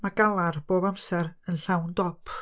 Mae' galar bob amser yn llawn dop.